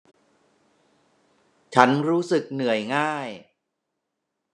ฉันรู้สึกเหนื่อยง่าย